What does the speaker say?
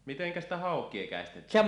miten sitä haukia käestetään